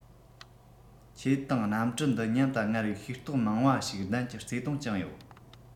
ཁྱེད དང གནམ གྲུ འདི མཉམ དུ སྔར བས ཤེས རྟོག མང བ ཞིག ལྡན གྱི བརྩེ དུང བཅངས ཡོད